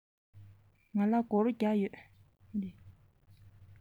ང ལ སྒོར བརྒྱ ཡོད